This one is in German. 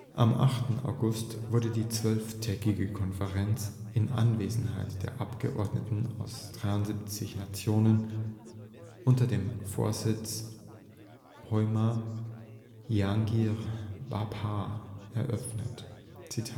Am 8. August wurde die zwölftägige Konferenz in Anwesenheit der Abordnungen aus 73 Nationen unter dem Vorsitz von Homi Jehangir Bhabha eröffnet. „ Die